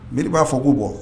Nba b'a fɔ k ko bɔ